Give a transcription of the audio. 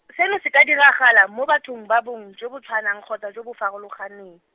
seno se ka diragala, mo bathong ba bong, jo bo tshwanang kgotsa jo bo farologaneng.